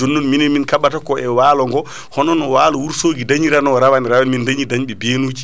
jonnon minen min kaɓata ko e walo ngo hono no walo Wourossogui dañirano rawande rawande min dañi dañɓe benuji